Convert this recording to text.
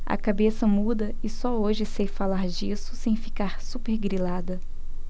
a cabeça muda e só hoje sei falar disso sem ficar supergrilada